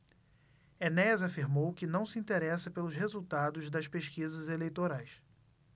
enéas afirmou que não se interessa pelos resultados das pesquisas eleitorais